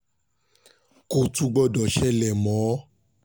Kò tún gbọdọ̀ ṣẹlẹ̀ mọ́'